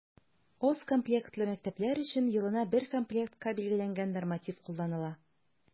Аз комплектлы мәктәпләр өчен елына бер комплектка билгеләнгән норматив кулланыла.